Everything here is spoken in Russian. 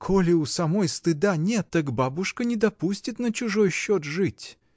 Коли у самой стыда нет, так бабушка не допустит на чужой счет жить.